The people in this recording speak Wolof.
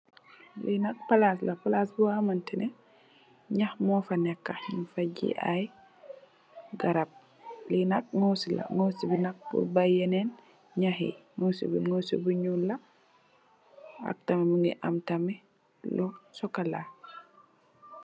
Lii nak palas la, palas bo xamantene, nax mu fa nekk, nyun fa gii ay garab, li nak ngosi la, ngosi bi nak, pur bay yennen nax yi, ngosi bi, ngosi bu nyuul la, ay tam mingi tami lu sokola.